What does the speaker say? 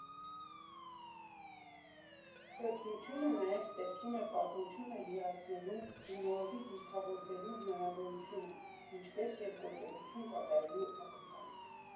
Կրկնությունը նաև ստեղծում է պատմությունը յուրացնելու ու նորովի դիրքավորվելու հնարավորությունը, ինչպես և գործողություն կատարելու ակնկալիք։